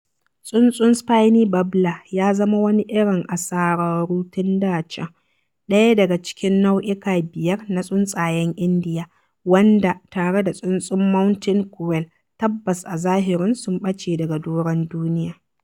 Tsuntsun Spiny Babbler ya zama wani irin asararu tun da can, ɗaya daga cikin nau'ika biyar na tsuntsayen Indiya, wanda, tare da tsuntsun Mountain ƙuail, tabbas a zahirin sun ɓace daga doron duniya.